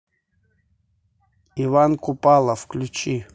иван купала включи